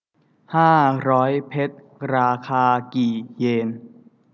ห้าร้อยเพชรราคากี่เยน